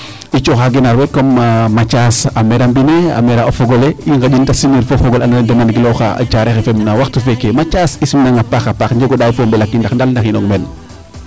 i cooxa genar we comme Mathiasse a mera mbine a mera o fogole i nganjin te sim nir fo o fogole ando naye dena nan gilooxa Diarere FM no waxtu feeke Mathiase i simnang a paaxa paax jego ndaay fo'o mbelaxinax ndalna xi nox meen